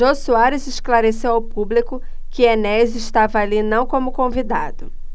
jô soares esclareceu ao público que enéas estava ali não como convidado